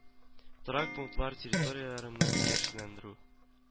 Торак пунктлар территорияләрен яшелләндерү